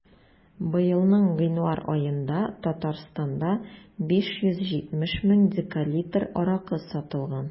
Быелның гыйнвар аенда Татарстанда 570 мең декалитр аракы сатылган.